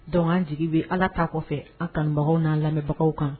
Donc an jigi bi Ala ta kɔfɛ an kanubagaw nan lamɛnbagaw kan.